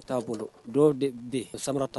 Taa dɔw sama tan